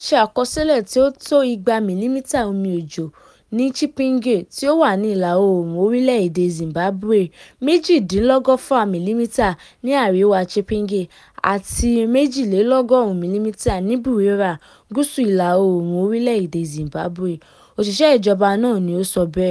"Wọ́n ṣe àkọsílẹ̀ tí ó tó 200 mìlímita omi òjò ní Chipinge [tí ó wà ní ìlà-oòrùn orílẹ̀ èdè Zimbabwe], 118 mìlímita ní àríwá Chipinge, àti 102 mìlímita ní Buhera [gúúsù ìlà oòrùn Orílẹ̀ èdè Zimbabwe]," òṣìṣẹ́ ìjọba náà ni ó sọ bẹ́ẹ̀.